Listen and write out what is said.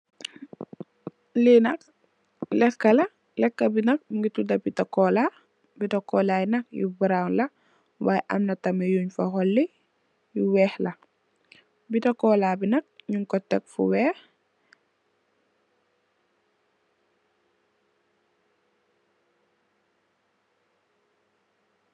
Li nak lekka la lekka bi nak mugii tudda bitta kola, bitta kola yi nak yu brown la way am tamit yun fa xolli yu wèèx la, bitta kola bi nak ñing ko tèk fu wèèx .